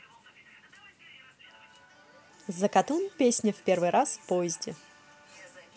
zakatoon песня в первый раз в поезде